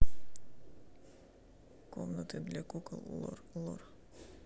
комнаты для кукол лор лор